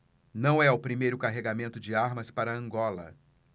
não é o primeiro carregamento de armas para angola